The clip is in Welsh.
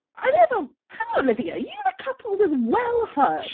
A oedd e fel, "Hang on Olivia, you've recoupled as well hon!"